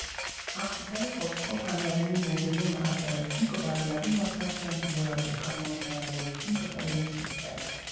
Աղջիկների խոսքով, հանրայինի ներդնումը այդ տարածքում կբարելավի մարդկանց կյանքի որակը, քանի որ հնարավորություն կտա իրենց շփվել։